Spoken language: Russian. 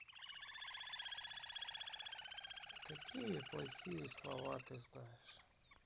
какие плохие слова ты знаешь